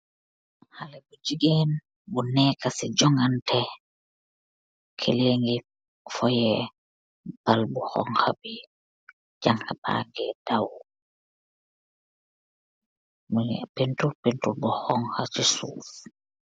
Haleh bu jigeen bu neka si joganteh kenen di foye ball bu xonko janha bangi daw n'yu gi penter bu xonka si sof.